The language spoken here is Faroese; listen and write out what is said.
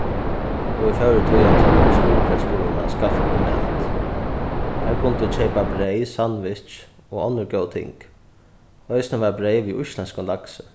og vit fóru tí ein túr í smyrjibreyðsbúðina at skaffa okkum mat har kundi tú keypa breyð sandwich og onnur góð ting eisini var breyð við íslendskum laksi